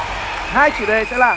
hai chủ đề sẽ là